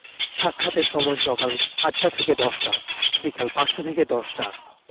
সাক্ষাতের সময়ঃসকাল ৮টা থেকে ১০টা বিকাল ৫টা থেকে ১০টা